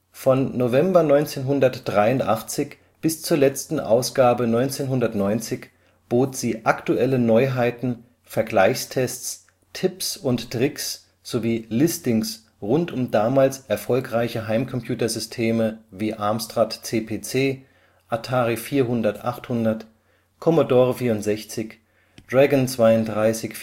Von November 1983 bis zur letzten Ausgabe 1990 bot sie aktuelle Neuheiten, Vergleichstests, Tipps und Tricks sowie Listings rund um damals erfolgreiche Heimcomputersysteme wie Amstrad CPC, Atari 400/800, Commodore 64, Dragon 32/64